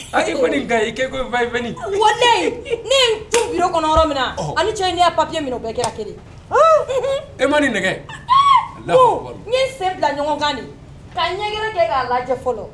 A kɔni nin i wa ne kɔnɔ yɔrɔ min na ani cɛ n'i ye papi minɛ bɛɛ kɛra kelen e ma nin nɛgɛ n ye sen bila ɲɔgɔn kan di ka ɲɛ kɛ k'a lajɛ fɔlɔ